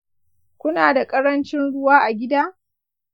kuna da ƙarancin ruwa a gida?